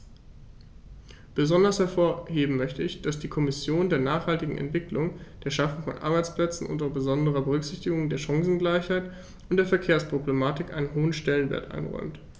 Besonders hervorheben möchte ich, dass die Kommission der nachhaltigen Entwicklung, der Schaffung von Arbeitsplätzen unter besonderer Berücksichtigung der Chancengleichheit und der Verkehrsproblematik einen hohen Stellenwert einräumt.